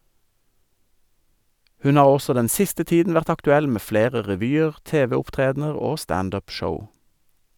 Hun har også den siste tiden vært aktuell med flere revyer, tv-opptredener og stand up-show.